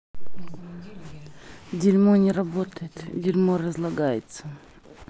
дерьмо не работает дерьмо разлагается